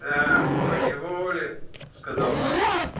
— Да, поневоле, — сказал Марк.